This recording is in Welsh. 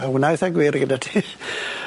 Ma' wnna eitha gwir gyda ti.